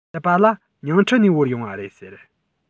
བཤད པ ལ ཉིང ཁྲི ནས དབོར ཡོང བ རེད ཟེར